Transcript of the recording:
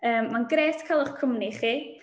Yym mae'n grêt cael eich cwmni chi.